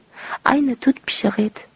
ayni tut pishig'i edi